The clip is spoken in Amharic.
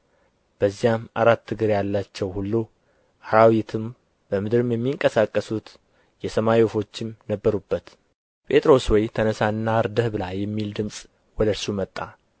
በዚያም አራት እግር ያላቸው ሁሉ አራዊትም በምድርም የሚንቀሳቀሱት የሰማይ ወፎችም ነበሩበት ጴጥሮስ ሆይ ተነሣና አርደህ ብላ የሚልም ድምፅ ወደ እርሱ መጣ